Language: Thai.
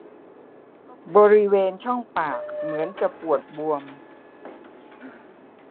บริเวณช่องปากเหมือนจะปวดบวม